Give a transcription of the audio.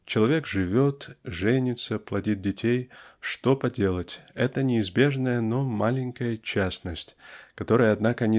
Человек живет, женится, плодит детей -- что поделать! -- это неизбежная но маленькая частность которая однако